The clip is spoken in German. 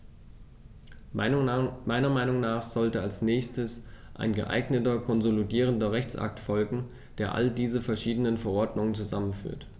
Meiner Meinung nach sollte als nächstes ein geeigneter konsolidierender Rechtsakt folgen, der all diese verschiedenen Verordnungen zusammenführt.